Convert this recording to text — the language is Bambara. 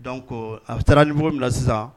Don ko a siran ni fɔ min sisan